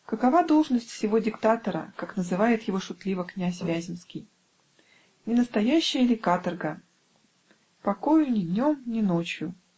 Какова должность сего диктатора, как называет его шутливо князь Вяземский? Не настоящая ли каторга? Покою ни днем, ни ночью.